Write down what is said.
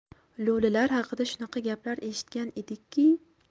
lo'lilar haqida shunaqa gaplar eshitgan edikki